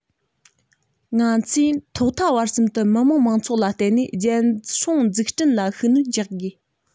ང ཚོས ཐོག མཐའ བར གསུམ དུ མི དམངས མང ཚོགས ལ བརྟེན ནས རྒྱལ སྲུང འཛུགས སྐྲུན ལ ཤུགས སྣོན རྒྱག དགོས